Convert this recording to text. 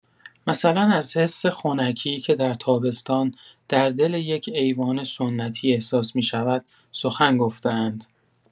مثلا از حس خنکی‌ای که در تابستان در دل یک ایوان سنتی احساس می‌شود، سخن گفته‌اند.